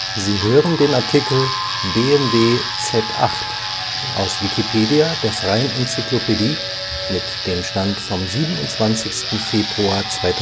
Sie hören den Artikel BMW Z8, aus Wikipedia, der freien Enzyklopädie. Mit dem Stand vom Der